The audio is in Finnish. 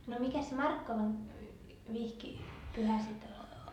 no mikäs se Markkovan vihkipyhä sitten oli